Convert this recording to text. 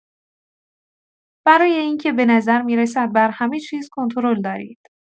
برای اینکه به نظر می‌رسد بر همه‌چیز کنترل دارید.